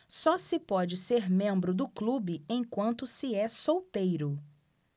só se pode ser membro do clube enquanto se é solteiro